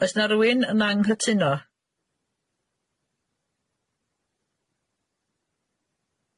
Oes na r'wun yn anghytuno?